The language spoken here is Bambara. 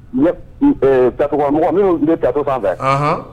To mɔgɔ minnu ne tato fan fɛ